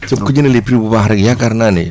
soo ko ko jëndalee prix bu baax rek yaakaar naa ne